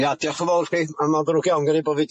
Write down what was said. Ia diolch yn fowr i chi a ma'n ddrwg iawn gen i bo fi